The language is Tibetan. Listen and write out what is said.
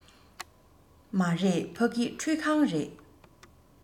མ རེད ཕ གི ཁྲུད ཁང རེད